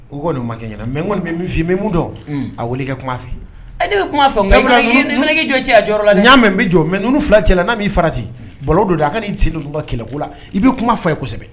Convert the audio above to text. O ka makɛ ɲɛna mɛ kɔni bɛ min fɔ i bɛ mun dɔn a weele kɛ kuma fɛ e bɛ kuma jɔn cɛ a jɔ la y'a mɛ bɛ jɔ mɛ n fila cɛ n'a' ii fara ci balo don a ka n'i senba kɛlɛ la i bɛi kuma fɔ ye kosɛbɛ